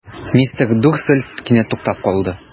Мистер Дурсль кинәт туктап калды.